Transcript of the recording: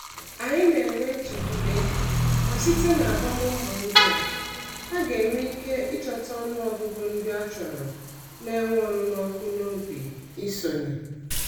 Anyị na-enwe nchekwube na site na agbamụmbọ ndị a, ha ga-enwe ike ịchọta ọnụ ọgụgụ ndị achọrọ na-enwe ọnụnụ ọkụ n'obi ị sonye.